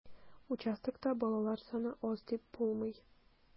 Участокта балалар саны аз дип булмый.